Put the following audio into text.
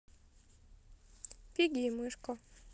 пигги и мышка